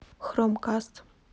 хром каст